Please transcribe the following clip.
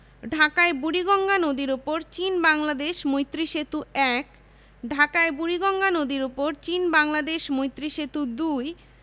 ঢাকায় বুড়িগঙ্গা নদীর উপর চীন বাংলাদেশ মৈত্রী সেতু ১ ঢাকায় বুড়িগঙ্গা নদীর উপর চীন বাংলাদেশ মৈত্রী সেতু ২